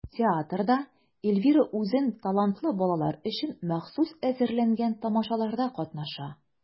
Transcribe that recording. Театрда Эльвира үзен талантлы балалар өчен махсус әзерләнгән тамашаларда катнаша.